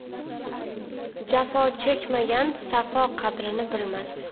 jafo chekmagan safo qadrini bilmas